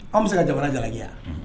An bɛ se ka jamana gaya